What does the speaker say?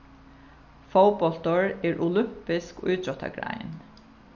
fótbóltur er olympisk ítróttagrein